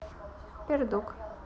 пердук